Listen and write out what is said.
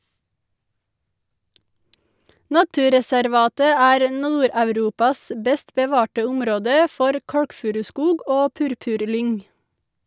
Naturreservatet er Nord-Europas best bevarte område for kalkfuruskog og purpurlyng.